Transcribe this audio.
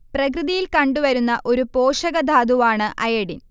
പ്രകൃതിയിൽ കണ്ടു വരുന്ന ഒരു പോഷകധാതുവാണ് അയഡിൻ